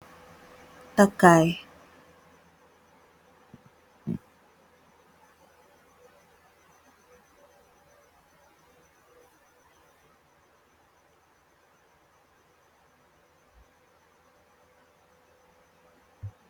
Takaay